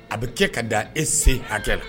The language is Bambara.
A bi kɛ ka dan e se hakɛ la.